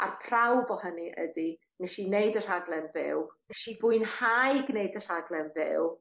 A'r prawf o hynny ydi nesh i neud y rhaglen fyw nesh i fwynhau gneud y rhaglen fyw